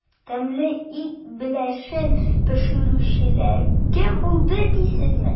Тәмле ит бәлешен пешерүчеләр кем булды дисезме?